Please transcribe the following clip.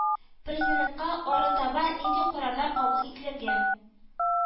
Президентка арытаба нинди карарлар кабул ителергә